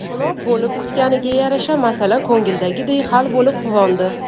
xunob bo'lib kutganiga yarasha masala ko'nglidagiday hal bo'lib quvondi